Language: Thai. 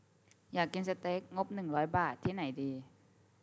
อยากกินสเต็กงบหนึ่งร้อยบาทที่ไหนดี